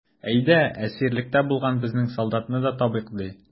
Әйдә, әсирлектә булган безнең солдатны да табыйк, ди.